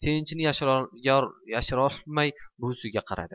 sevinchini yashirolmay buvisiga qaradi